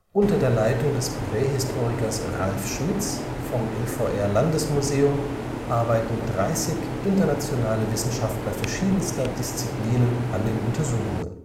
Unter der Leitung des Prähistorikers Ralf W. Schmitz vom LVR-Landesmuseum arbeiten 30 internationale Wissenschaftler verschiedenster Disziplinen an den Untersuchungen